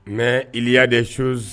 N iya de sonsan